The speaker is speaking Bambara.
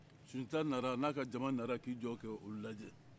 sunjata nana a n'a ka jama nana k'i jɔ ka u lajɛ